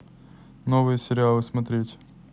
новые сериалы смотреть